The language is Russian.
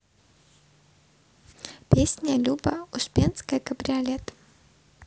песня люба успенская кабриолет